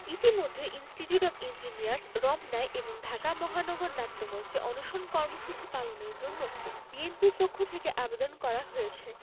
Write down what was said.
ইতোমধ্যে institute of engineers রমনায় এবং ঢাকা মহানগর নাট্যমঞ্চে অনশন কর্মসূচি পালনের জন্য বিএনপির পক্ষ থেকে আবেদন করা হয়েছে